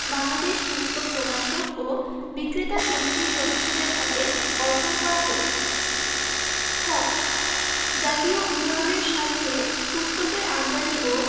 বাংলাদেশ পুস্তক প্রকাশক ও বিক্রেতা সমিতির সদস্যদের হাতে অর্পণ করা হোক ঠ জাতীয় উন্নয়নের স্বার্থে পুস্তকের আমদানী ও